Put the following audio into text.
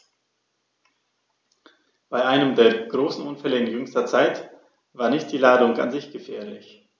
Bei einem der großen Unfälle in jüngster Zeit war nicht die Ladung an sich gefährlich.